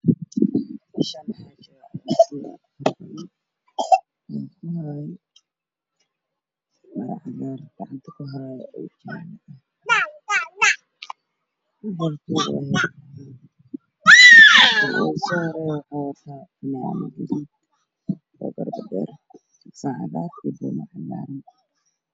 Meeshaan waxaa ka muuqda ciyaartoyda degmada kaaraan saanadaha ay qabaan midabkooda waa guduud